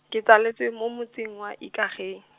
ke tsaletswe mo motseng wa Ikageng.